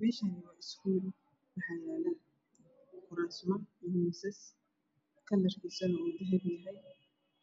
Meshaan waa iskuu waxa yala kurs iyo misas kurasta midpkoodu waa dahapi